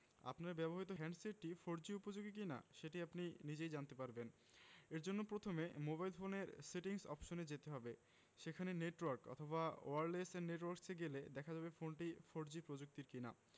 আপনার ব্যবহৃত হ্যান্ডসেটটি ফোরজি উপযোগী কিনা সেটি আপনি নিজেই জানতে পারবেন এ জন্য প্রথমে মোবাইল ফোনের সেটিংস অপশনে যেতে হবে সেখানে নেটওয়ার্ক অথবা ওয়্যারলেস অ্যান্ড নেটওয়ার্কস এ গেলে দেখা যাবে ফোনটি ফোরজি প্রযুক্তির কিনা